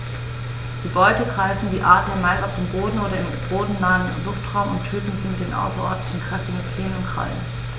Die Beute greifen die Adler meist auf dem Boden oder im bodennahen Luftraum und töten sie mit den außerordentlich kräftigen Zehen und Krallen.